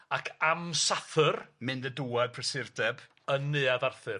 Ac amsathr... Mynd a dŵad prysurdeb. ...yn neuadd Arthur.